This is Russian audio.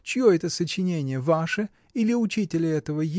Чье это сочинение, ваше или учителя этого.